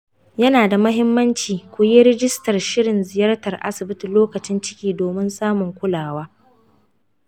ya na da muhimmanci ku yi rijistar shirin ziyartar asibiti lokacin ciki domin samun kulawa